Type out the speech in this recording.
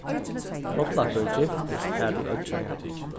tollakur giftist har í oyggjunum